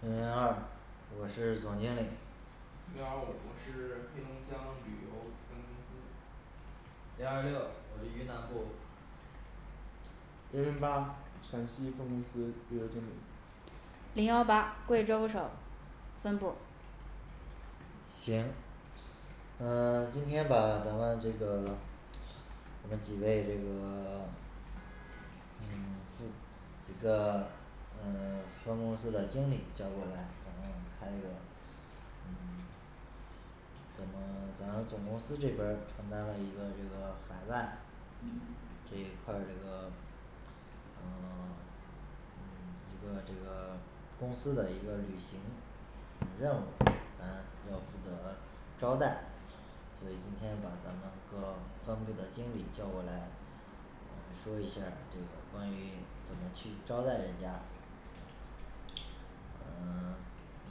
零零二我是总经理零二五我是黑龙江旅游分公司零二六我是云南部零零八陕西分公司旅游经理零幺八贵州省分部儿行，嗯 今天把咱们这个 你们几位这个 嗯 这这个，嗯 分公司的经理叫过来，咱们开个嗯 咱们 咱总公司这边儿承担了一个这个海外嗯这一块儿这个 嗯 嗯，这个这个公司的一个旅行任务，咱要负责招待所以今天把咱们各分部儿的经理叫过来，嗯，说一下儿这个关于怎么去招待人家嗯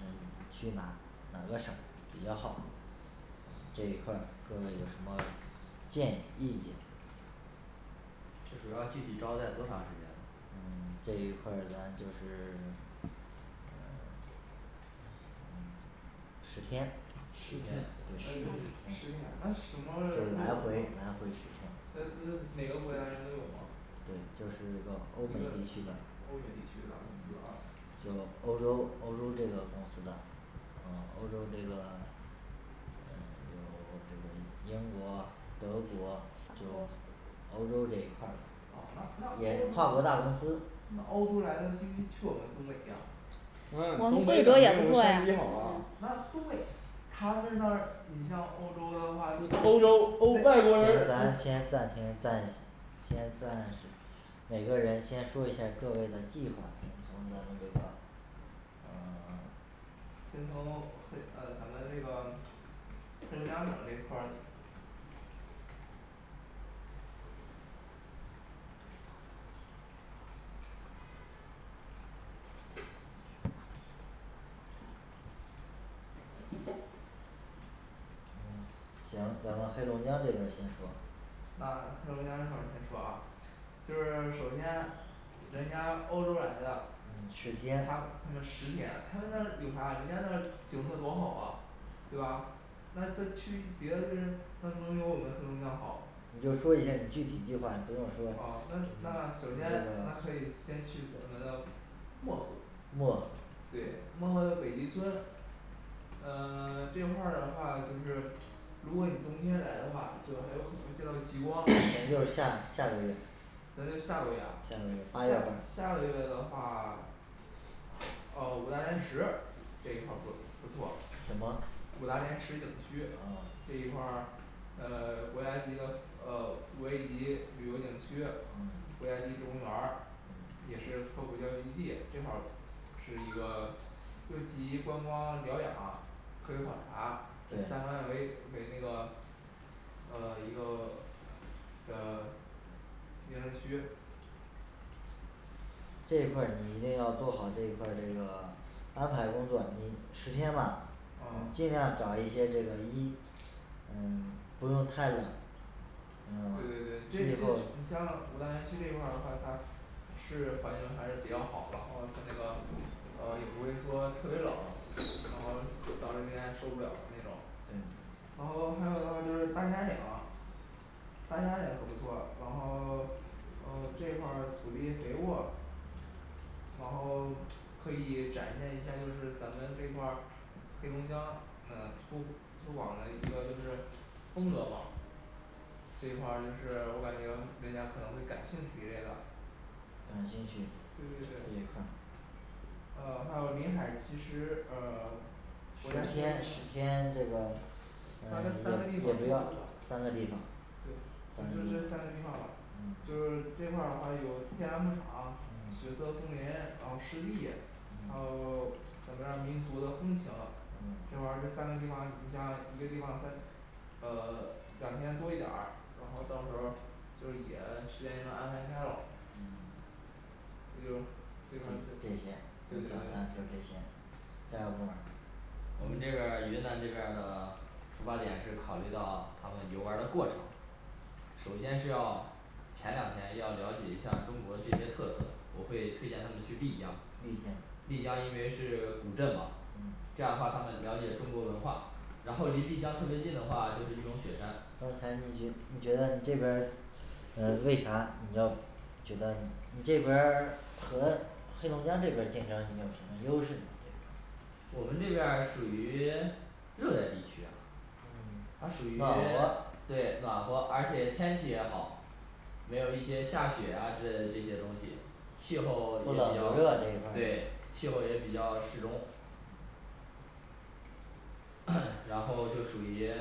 去哪哪个省比较好这一块儿各位有什么建议意见。这主要具体招待多长时间？嗯 这一块儿咱就是嗯 嗯十天，十天呃，十天，那什么就来路回，来回十天呃呃哪个国家人都有吗对，就是一个欧美一地个区的，，欧美地区的公司有啊欧洲欧洲这个公司的，呃欧洲这个嗯 有这个有英国、德国，就欧洲这一块儿啊，那那也那跨国欧大公司，欧洲来的必须去我们东北呀，嗯，我们东北贵哪州能有也我不们错呀山，西好啊，那嗯东北，他是那儿你像欧洲的话就是，欧对，洲，欧外国对人行儿咱先暂停，暂，先暂时每个人先说一下儿各位的计划，从咱们这个呃 先从黑呃咱们那个黑龙江省这一块儿。行，咱们黑龙江这边儿先说。那黑龙江这边儿先说啊就是首先人家欧洲来的嗯十他们天，他们十天，他们那儿有啥人家那儿景色多好啊，对吧那他去别的地方那它能有我们黑龙江好，啊，你就说一下儿你具体计划你不用说，这那那首先个，那可以先去咱们的漠河，漠河对，漠河有北极村呃 这块儿的话，就是如果你冬天来的话，对吧还有可能见到极光咱就是下下个月，咱就下个月啊，下个月八月下份儿下个月的话 啊五大连池这一块儿不不错，什么五大连池景区，这啊一块儿，呃国家级的呃五A级旅游景区，嗯国家级职工园儿，嗯也是科普教育基地，这块儿是一个又集，观光疗养，科学考察这三方对面为为那个呃 一个的名胜区这块儿你一定要做好这块儿这个，安排工作，你十天吧嗯尽量找一些这个，一呃不用太冷。对对对嗯，，这一气块儿候你像五大连区这一块儿的话，它是环境还是比较好，然后它那个呃也不会说特别冷，然后导致人家受不了的那种。对然后还有的话就是大兴安岭大兴安岭可不错，然后 呃这块儿土地肥沃然后可以展现一下就是咱们这块儿黑龙江呃推推广的一个就是风格嘛。这一块儿就是我感觉人家可能会感兴趣一类的，感兴趣，对这对一对块儿呃还有林海其实呃，十国家先天，十天这个大呃概三个 地也也方不要，三三个个地地方方呃，对，所以说这三个地方就嗯是这块儿的话有天然牧场，嗯雪色松林，然后湿地，然嗯后咱们这儿民族的风情，这嗯玩意儿这三个地方你像一个地方分呃 两天多一点儿，然后到时候儿就是也时间能安排开喽嗯我就是这这块儿就，这些，对对短暂就这些对。，下一个部门儿我们这边儿云南这边儿的出发点是考虑到他们游玩儿的过程首先是要前两天要了解一下中国这些特色，我会推荐他们去丽江，丽江丽江因为是古镇嘛这样的话他们了解中国文化，然后离丽江特别近的话就是玉龙雪山，刚才你觉你觉得你这边儿呃，为啥你要觉得你这边儿和黑龙江这儿竞争你有什么优势呢？这一块儿我们这边儿属于 热带地区呀，它属于嗯暖和 对暖和，而且天气也好没有一些下雪啊之类的这些东西，气不候也比冷较不热这一，块儿，对，气候也比较适中嗯 然后就属于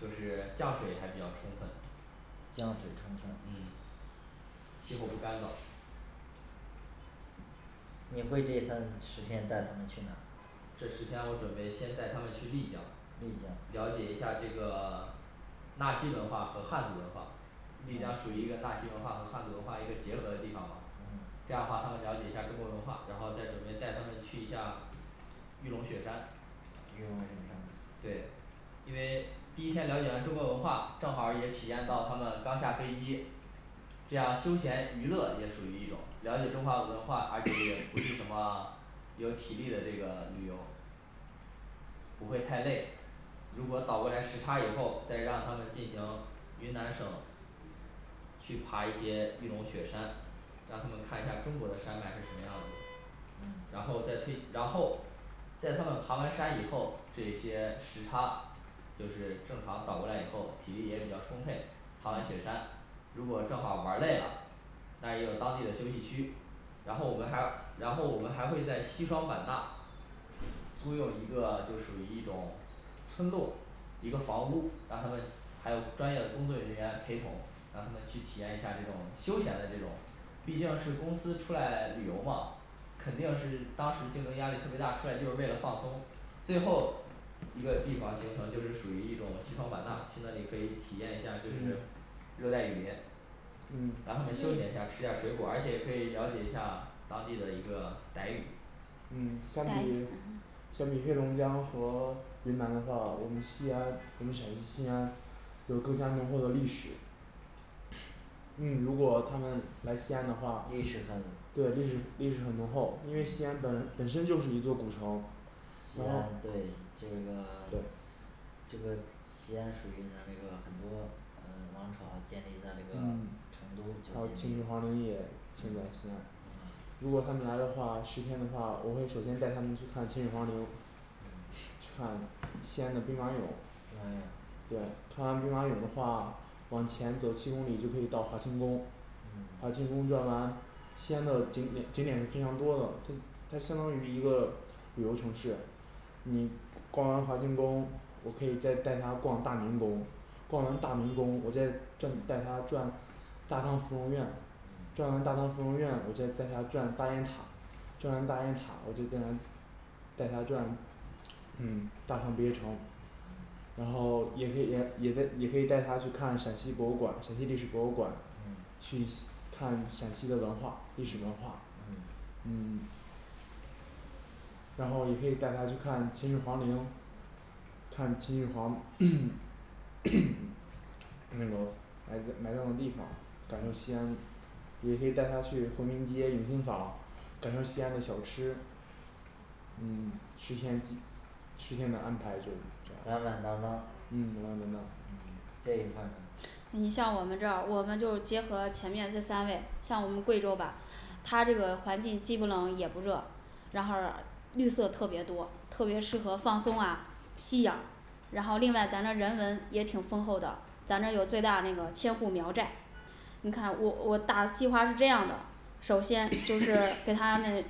就是降水还比较充分，降水充分嗯，气候不干燥你会对他三十天带他们去哪儿这十天我准备先带他们去丽江丽，江了解一下这个 纳西文化和汉族文化。丽江属于一个纳西文化和汉族文化一个结合的地方吧，嗯这样的话他们了解一下儿中国文化，然后再准备带他们去一下玉龙雪山玉龙雪山对，因为第一天了解完中国文化，正好儿也体验到他们刚下飞机这样休闲娱乐也属于一种了解中华文化& &而且也不是什么有体力的这个旅游不会太累。如果倒过来时差以后再让他们进行云南省去爬一些玉龙雪山，让他们看一下中国的山脉是什么样子，然嗯后再推然后在他们爬完山以后，这些时差就是正常倒过来以后体力也比较充沛，爬完雪嗯山，如果正好儿玩儿累了那儿也有当地的休息区，然后我们还然后我们还会在西双版纳租用一个就属于一种村落一个房屋，让他们还有专业的工作人员陪同，让他们去体验一下儿这种休闲的这种，毕竟是公司出来旅游嘛，肯定是当时竞争压力特别大，出来就是为了放松，最后一个地方形成就是属于一种西双版纳去那里可以体验一下儿就嗯是热带雨林让他嗯们休闲下儿吃点儿水果儿，而且可以了解一下当地的一个傣语。嗯，相傣语比相比黑龙江和云南的话，我们西安我们陕西西安有更加浓厚的历史嗯，如果他们来历西安的话史很，对历史历史很浓厚，因为西嗯安本来本身就是一座古城，西然后安，对对就是说 这个西安属于咱那个很多呃王朝建立的那个嗯成都久还有建秦那始个皇，嗯陵也，嗯，建在西安，如果他们来的话十天的话，我会首先带他们去看秦始皇陵，嗯去看西安的兵马俑，对，兵马俑对看完兵马俑的话，往前走七公里就可以到华清宫。 华嗯清宫转完西安的景点景点是非常多的，它它相当于一个旅游城市你逛完华清宫，我可以再带他逛大明宫，逛完大明宫，我再这里带他转大唐芙蓉院，嗯转完大唐芙蓉院，我再带他转大雁塔，转完大雁塔，我就带他带他转嗯大唐不夜城，嗯然后也可以也可也可以带他去看陕西博物馆陕西历史博物馆，嗯去看陕西的文化历史文化嗯嗯，嗯 然后也可以带他去看秦始皇陵看秦始皇， 他那种来来那种地方，感受西嗯安也可以带他去回民街永庆坊感受西安的小吃，嗯 十天十天的安排也就这样满，嗯，满满满当当当当，嗯，这一块儿呢你像我们这儿我们就是结合前面那三位，像我们贵州吧，它嗯这个环境既不冷也不热，然后绿色特别多，特别适合放松啊吸氧然后另外咱们人文也挺丰厚的，咱们有最大那个千古苗寨。你看我我大计划是这样的，首先& &就是给他们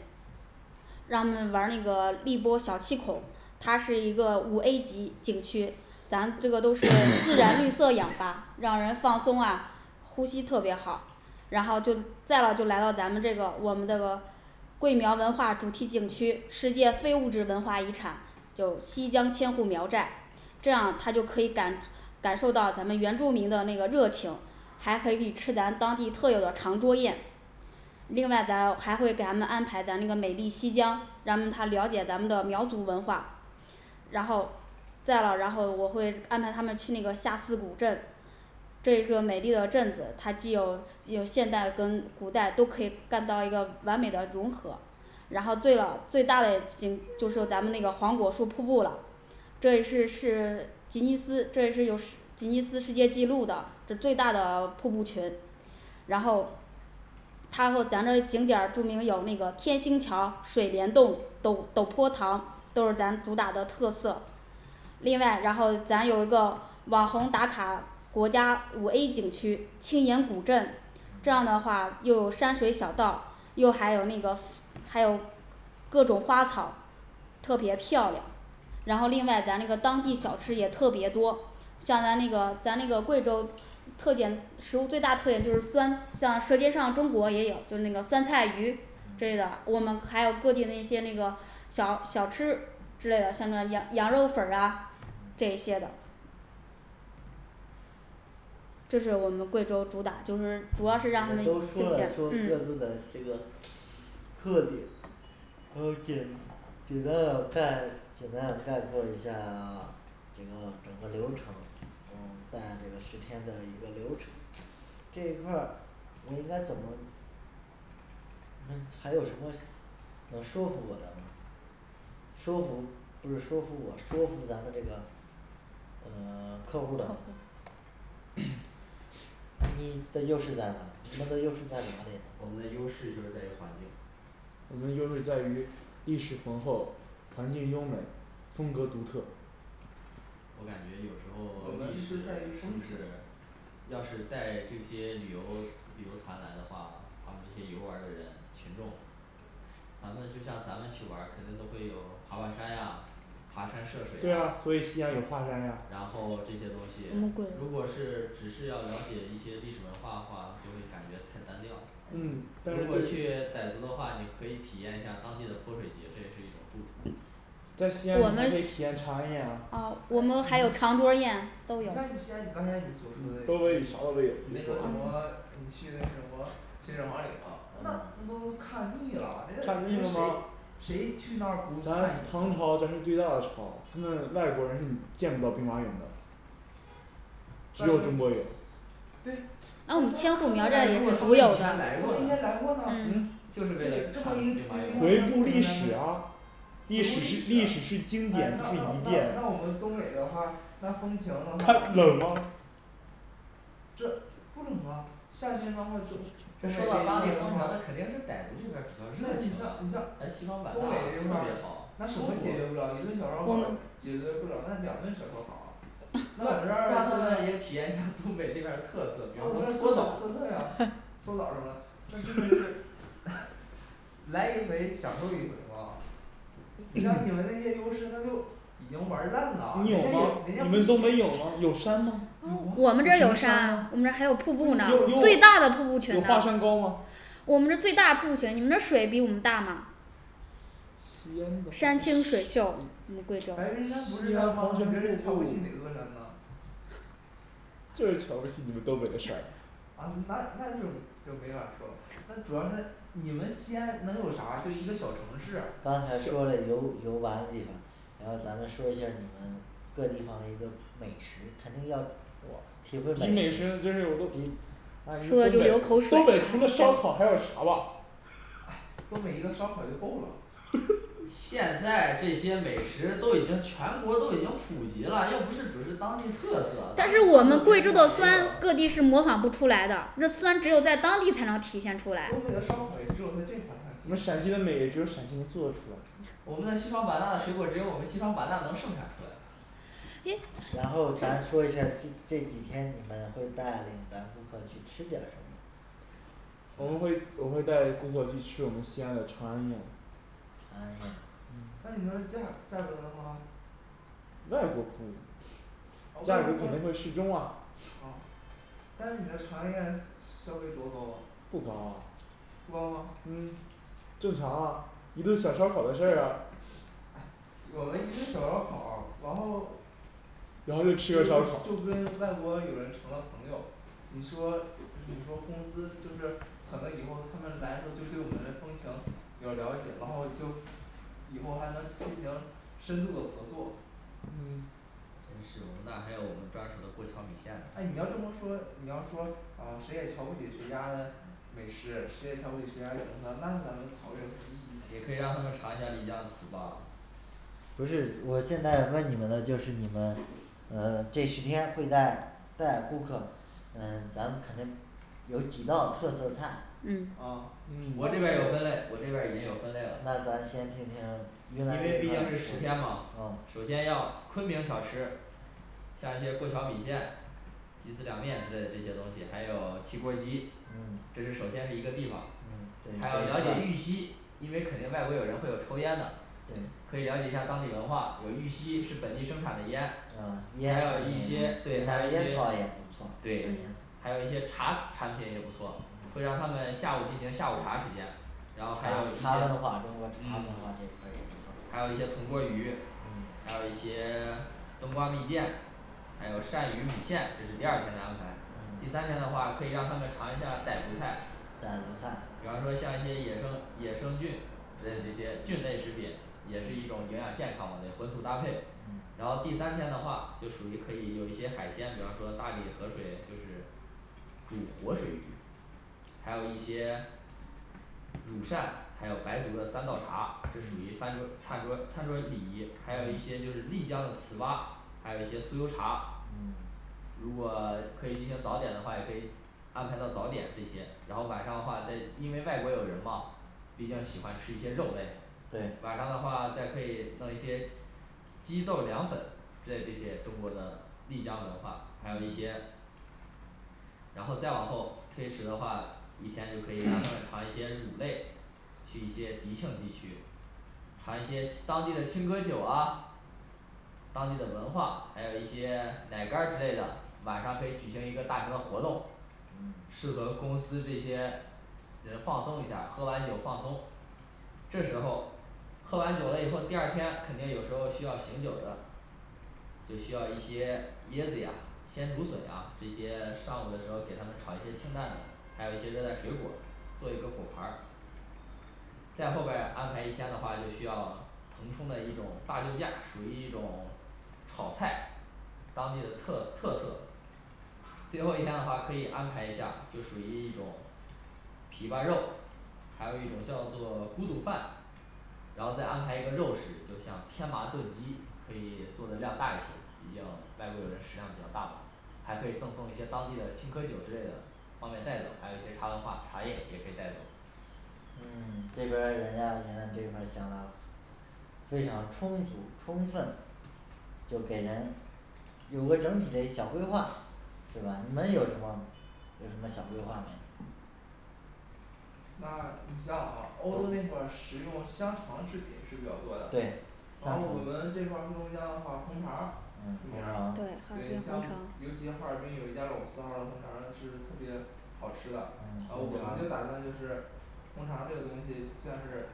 让他们玩儿那个荔波小气孔，它是一个五A级景区，咱门这个都是& &吸点儿绿色氧吧，让人放松啊，呼吸特别好。然后就再了就来到咱们这个我们的桂苗文化主题景区，世界非物质文化遗产，就西江千户苗寨，这样他就可以感感受到咱们原著民的那个热情，还可以吃咱当地特有的长桌宴。另外咱还会给他们安排咱那个美丽西江，让他了解咱们的苗族文化，然后再了然后我会安排他们去那个下司古镇这也是个美丽的镇子，它既有既有现代跟古代都可以干到一个完美的融合，然后对了最大的景就是咱们那个黄果树瀑布了这也是是吉尼斯，这也是有世吉尼斯世界纪录的这最大的瀑布群。 然后他说咱这儿景点儿著名有那个天星桥、水帘洞、陡陡坡塘都是咱主打的特色另外然后咱有一个网红打卡，国家五A景区青年古镇，这样嗯的话有山水小道儿，又还有那个还有各种花草特别漂亮。然后另外咱那个当地小吃也特别多，像咱那个咱那个贵州特点，食物最大特点就是酸，像舌尖上的中国也有就是那个酸菜鱼之类嗯的，我们还有各地的那些那个小小吃之类的，像那羊羊肉粉儿啊这嗯一些的这是我们贵州主打，就是主你们要是让那都这些说了，说各自嗯的这个特点，呃简简单的概，简单的概括一下 那个整个流程嗯在我们十天的一个流程。这一块儿我应该怎么嗯，还有什么？能说服我的呢？说服不是说服我说服咱们这个呃 客户儿的& &你的优势在哪儿？你们的优势在哪我里？们的优势就是在于环境我们的优势在于历史浑厚，环境优美，风格独特。我感觉有时我候 们历史是在于是充不实是要是带这些旅游旅游团来的话，他们这些游玩儿的人群众咱们就像咱们去玩儿肯定都会有爬爬山啊爬山涉水对呀，呀，所以西安有华山呀，然后这些东西如果，如果是只是要了解一些历史文化的话，就会感觉太单调嗯，。但是如果去傣族的话，你可以体验一下当地的泼水节，这也是一种祝福在西安你我们还可以体验长安夜，啊啊，我东北你啥们都你你看你还有长桌儿宴都没有有先你刚才你所说的一些你那个什么你去那什么秦始皇陵那那都看看腻腻了人家人家谁谁去那了儿吗不，看一咱唐朝咱是看最大的朝，他们外国人是见不到兵马俑的只有中国占有，对。那那他们你像看过很了多他那们人如果他们以以前前来来过过呢呢，，这就么是一为了个出看兵名的地马方人家不俑回可顾能历史来吗呀回顾历史，啊那那那历史是历史是经典的不是一变，那我们东北的话那风情的它冷吗话这不冷啊。夏天的话冬，冬天的话，说到当地风情那肯定是傣族这边儿比较那热情你啊像你像，咱西双版纳东北这块特别儿好，那什么解决不了一顿小烧烤儿解决不了那两顿小烧烤啊，那怎那他么，那们也也体验一下儿东北那边儿算的特特色色， 比方说搓澡呀，搓澡是儿 吧来一回享受一回嘛你像你们那些优势那都已经玩儿烂了，人你有家有吗？你人家不们东北有吗？有山吗啊？有吗，有有我什们这啊儿么有山山呢啊，，有我们有这儿还有有瀑布呢，最大的瀑布群华山高吗呢，我们是最大的瀑布群，你们那儿水比我们大吗西安的山话清水水西安秀，我们瀑布贵州白云山不是山吗你这是瞧不起哪座山呐就是瞧不起你们东北的山。，啊那那就就没法儿说了，那主要是你们西安能有啥，就一个小城市刚才，就说嘞游游玩的地方然后咱们说一下儿你们各地方的一个美食肯定要我体会你美美食食你真是我都，你们东说的北都流口水东北除了烧烤还有啥吧，哎东 北一个烧烤就够了，现在这些美食都已经全国都已经普及了，又不是只是当地特色，当地特色别但的地方儿是我们贵州的酸也有，各地是模仿不出来的那酸只有在当地才能体现出来，东北的烧烤也只有在这块儿才我能们体现陕西的出来，美食有陕西能做的出来我们西双版纳的水果儿只有我们西双版纳能盛产出来。你然后咱说一下儿这这几天你们会带领咱顾客去吃点儿什么我们会我会带顾客去吃我们西安的长安宴。长安宴嗯那你们价价格的话外国朋友啊价外格国朋肯定会友适中啊，，啊，但是你的长安宴消消费多高啊，不高啊，不高吗嗯，正常啊，一顿小烧烤的事儿啊，哎我们一顿小烧烤儿，然后然后就就跟就跟吃顿烧烤，外国友人成了朋友。你说你说公司就是可能以后他们来时候儿就对我们人风情有了解，然后就以后还能进行深度的合作。嗯真是我们那儿还有我们专属的过桥米线呢，诶，你要这么说，你要说啊谁也瞧不起谁家嘞美食，谁也瞧不起谁家的景色，那咱们讨论有什么意也可以义呢让他们尝一下丽江糍粑。不是，我现在问你们的就是你们呃这十天会带带顾客，嗯，咱们肯定有几道特色菜嗯啊我这嗯边儿有分类，我这边儿已经有分类了，那咱先听听云因南为这毕块竟是十天儿嘛，嗯，首先要昆明小吃，像一些过桥米线鸡丝凉面之类的这些东西，还有汽锅儿鸡，嗯这是首先是一个地方嗯对，还有这了解块玉儿溪，因为肯定外国友人会有抽烟的，对可以了解一下儿当地文化，有玉溪是本地生产的烟嗯，烟还不有错一些对还有，一烟些草也不错，对烟，，还有一些茶产品也不错，会让他们下午进行下午茶时间。然后茶还有一些茶文化中国茶嗯文化这块儿这块儿也不错，还有一些铜锅鱼，嗯还有一些 冬瓜蜜饯，还有鳝鱼米线，这是第二天的安排，第嗯三天的话可以让他们尝一下儿傣族菜，傣族菜比方说像一些野生野生菌之类，这些菌类食品也是一种营养健康吧，得荤素搭配。 嗯然后第三天的话就属于可以有一些海鲜，比方说大理河水，就是主活水域，还有一些乳扇，还有白族的三道茶，这属于餐桌儿餐桌儿餐桌儿礼仪，还有一嗯些就是丽江的糍粑，还有一些酥油茶，嗯如果可以进行早点的话，也可以安排到早点这些，然后晚上的话再因为外国友人嘛比较喜欢吃一些肉类，对晚上的话再可以弄一些鸡、豆、凉粉之类这些中国的丽江文化，还有一嗯些然后再往后推迟的话，一天就可以让他们尝一些乳类，去一些迪庆地区，尝一些当地的青稞酒啊当地的文化，还有一些 奶干儿之类的，晚上可以举行一个大型的活动，嗯 适合公司这些人放松一下儿，喝完酒放松这时候喝完酒了以后，第二天肯定有时候儿需要醒酒的，就需要一些椰子呀鲜竹笋呀这些上午的时候儿给他们炒一些清淡的，还有一些热带水果儿做一个果盘儿，再后边儿安排一天的话，就需要腾冲的一种大救驾，属于一种 炒菜当地的特特色最后一天的话可以安排一下，就属于一种枇杷肉，还有一种叫做菇笃饭然后再安排一个肉食，就像天麻炖鸡可以做的量大一些，比较外国友人食量比较大嘛，还可以赠送一些当地的青稞酒之类的方便带走，还有一些茶文化，茶叶也可以带走。嗯 这边儿人家云南这一块儿想的非常充足充分，就给人有个整体嘞小规划，是吧？你们有什么有什么小规划没那你像啊，欧洲那大会儿食用香肠儿制品是比较多的对，然后我们这块儿黑龙江的话红肠儿，嗯，这红样，肠对对，儿哈尔滨你像红肠儿尤其哈尔滨有一家老字号儿的红肠儿是特别好吃的，嗯，然后我红肠儿们就打算就是红肠儿这个东西算是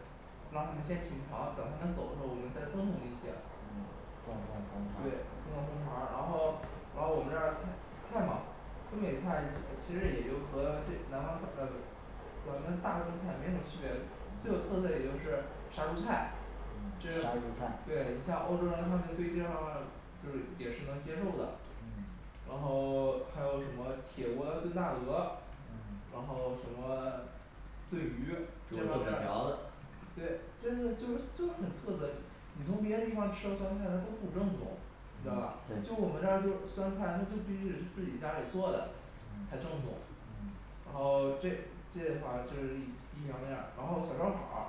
让他们先品尝，等他们走的时候儿我们再赠送一些嗯，赠送红。肠儿，对赠送红肠儿，然后然后我们这儿菜菜嘛东北菜其其实也就和这南方菜呃咱们大众菜没什么区别，最有特色的也就是杀猪菜。这嗯，杀猪菜对你像欧洲人他们对这方面儿就是也是能接受的嗯，然后 还有什么铁锅炖大鹅嗯，然后什么？炖鱼猪这肉方炖面粉条儿。子对，这就是就是就是很特色，你从别的地方吃的酸菜它都不正宗嗯，知道吧？就我们对这儿就是酸菜，那就必须得是自己家里做的。才正嗯宗嗯，然后这这一块儿就是一条那样，然后小烧烤儿，